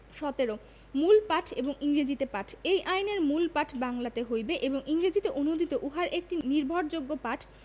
১৭ মূল পাঠ এবং ইংরেজীতে পাঠঃ এই আইনের মূল পাঠ বাংলাতে হইবে এবং ইংরেজীতে অনূদিত উহার একটি নির্ভরযোগ্য পাঠ